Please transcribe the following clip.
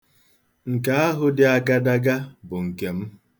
Nke ahụ dị agadaga bụ nke m.